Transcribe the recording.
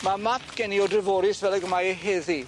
Ma' map gen i o Dreforys fel ag y mae e heddi.